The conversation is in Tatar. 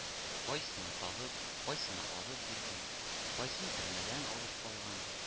Кайсына табып, кайсына алып биргән, кайсын төрмәдән алып калган